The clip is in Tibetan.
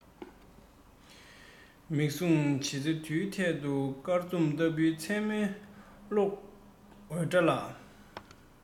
མིག ཟུང ཕྱེ ཚེ མདུན ཐད དུ སྐར ཚོམ ལྟ བུའི མཚན མོའི གློག འོད བཀྲ ལ